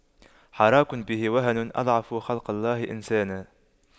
حراك به وهن أضعف خلق الله إنسانا